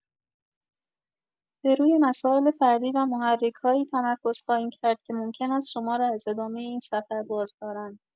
برروی مسائل فردی و محرک‌هایی تمرکز خواهیم کرد که ممکن است شما را از ادامه این سفر بازدارند.